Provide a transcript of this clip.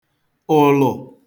ụ̀lụ̀